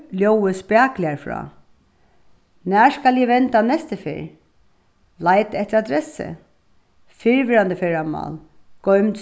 ljóðið spakuligari frá nær skal eg venda næsti ferð leita eftir adressu fyrrverandi ferðamál goymd